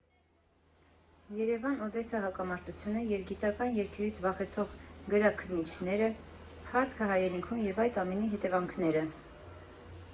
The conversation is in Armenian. Երևան֊Օդեսա հակամարտությունը, երգիծական երգերից վախեցող գրաքննիչները, փառքը հայրենիքում և այդ ամենի հետևանքները.